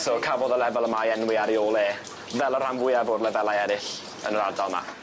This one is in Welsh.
So cafodd y lefel yma ei enwi ar ei ôl e fel y ran fwyaf o'r lefelau eryll yn yr ardal 'ma.